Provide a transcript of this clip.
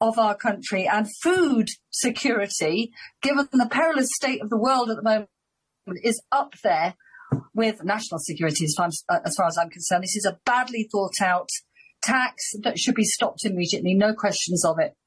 of our country and food security, given the perilous state of the world at the moment is up there with national security as far as as far as I'm concerned. This is a badly thought out tax that should be stopped immediately, no questions of it.